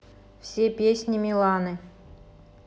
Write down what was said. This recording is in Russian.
все песни миланы